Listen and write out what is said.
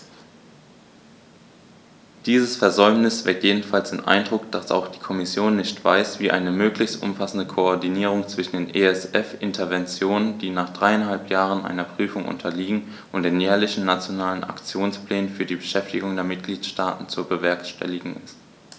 Dieses Versäumnis weckt jedenfalls den Eindruck, dass auch die Kommission nicht weiß, wie eine möglichst umfassende Koordinierung zwischen den ESF-Interventionen, die nach dreieinhalb Jahren einer Prüfung unterliegen, und den jährlichen Nationalen Aktionsplänen für die Beschäftigung der Mitgliedstaaten zu bewerkstelligen ist.